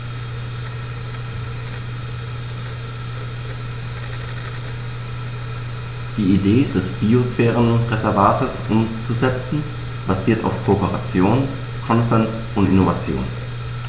Die Idee des Biosphärenreservates umzusetzen, basiert auf Kooperation, Konsens und Innovation.